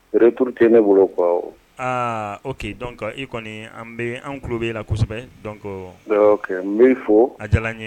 Returute ne bolo qu aa o'i dɔn ka i kɔni an bɛ an tulo bɛ la kosɛbɛ dɔn n b'ri fɔ a diyara n ye